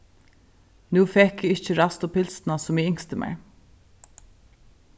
nú fekk eg ikki ræstu pylsuna sum eg ynskti mær